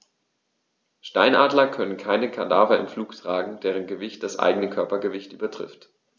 Steinadler können keine Kadaver im Flug tragen, deren Gewicht das eigene Körpergewicht übertrifft.